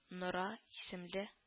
Нора исемле